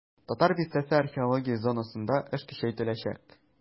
"татар бистәсе" археология зонасында эш көчәйтеләчәк.